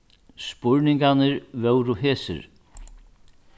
spurningarnir vóru hesir